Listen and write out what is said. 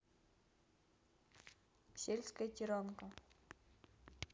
сельская тиранка